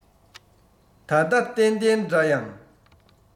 ད ལྟ བརྟན བརྟན འདྲ ཡང